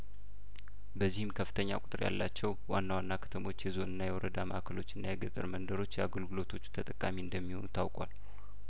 በዚህም ከፍተኛ ቁጥር ያላቸው ዋና ዋና ከተሞች የዞንና የወረዳ ማእከሎችና የገጠር መንደሮች የአገልግሎቶቹ ተጠቃሚ እንደሚሆኑ ታውቋል